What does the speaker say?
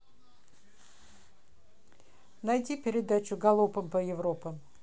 найди передачу галопом по европам